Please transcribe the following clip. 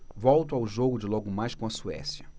volto ao jogo de logo mais com a suécia